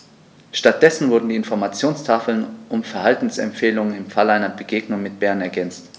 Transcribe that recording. Stattdessen wurden die Informationstafeln um Verhaltensempfehlungen im Falle einer Begegnung mit dem Bären ergänzt.